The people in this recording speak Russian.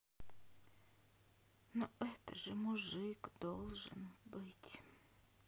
ну это же мужик должен быть